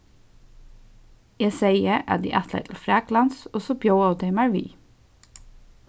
eg segði at eg ætlaði til fraklands og so bjóðaðu tey mær við